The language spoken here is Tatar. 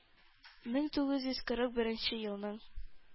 Мең тугыз йөз кырык беренче елның